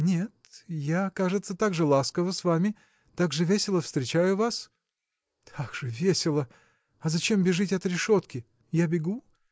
– Нет: я, кажется, так же ласкова с вами, так же весело встречаю вас. – Так же весело! а зачем бежите от решетки?. – Я бегу?